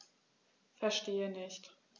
Verstehe nicht.